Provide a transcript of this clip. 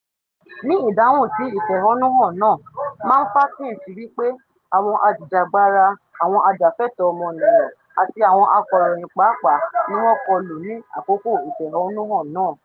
Ní ìdáhùn sí ìfẹ̀hónúhan náà, Mamfakinch wí pé àwọn ajìjàgbara, àwọn ajàfẹ́tọ̀ọ́ ọmọnìyàn àti àwọn akọ̀ròyìn pàápàá ni wọ́n kọlù ní àkókò ìfẹ̀hónúhàn náà.